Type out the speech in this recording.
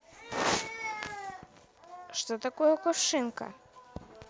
что такое кувшинка